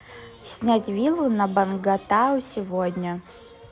снять виллу на бангтао сегодня